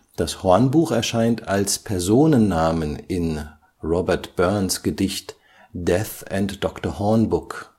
Das Hornbuch erscheint als Personennamen in Robert Burns’ Gedicht Death and Doctor Hornbook